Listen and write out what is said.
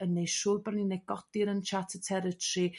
yn neu' siwr bo' ni'n negodi'r uncharted territory